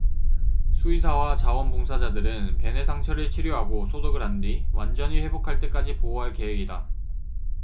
수의사와 자원 봉사자들은 벤의 상처를 치료하고 소독을 한 뒤 완전히 회복할 때까지 보호할 계획이다